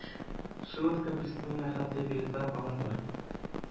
Шиловка пристанена хәтле билетлар ала тор.